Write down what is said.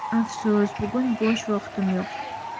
afsus bugun bo'sh vaqtim yo'q